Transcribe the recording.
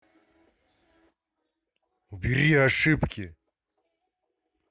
убери ошибки